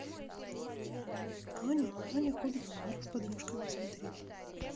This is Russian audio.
аня аня ходит в парк с подружками смотреть